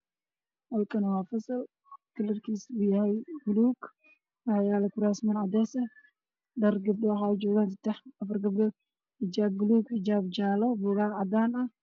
Meesha waxaa yaalo fasal ay ku jiraan gabdho gabadha waxay wadataa xijaab jaallaha mid karaan xijaab buluuga labo karan xijaab jeclaa qalin bay gacanta ku hayaan